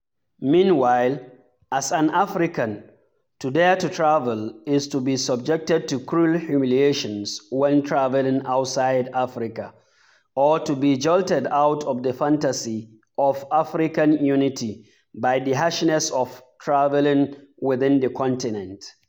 Meanwhile, as an African, to dare to travel is to be subjected to cruel humiliations when travelling outside Africa — or to be jolted out of the fantasy of African unity by the harshness of travelling within the continent.